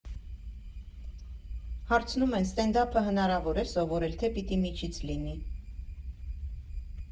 Հարցնում են՝ ստենդափը հնարավո՞ր է սովորել, թե՞ պիտի միջից լինի։